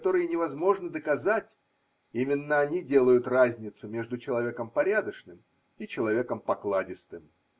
которые невозможно доказать, – именно они делают разницу между человеком порядочным и человеком покладистым.